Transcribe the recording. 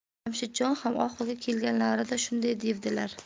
jamshidjon ham oxirgi kelganlarida shunday devdilar